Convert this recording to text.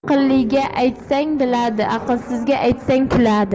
aqlliga aytsang biladi aqlsizga aytsang kuladi